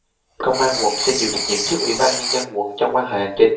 công an quận sẽ chịu trách nhiệm trước ủy ban nhân dân quận trong quan hệ hành chính